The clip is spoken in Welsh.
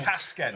Casgen.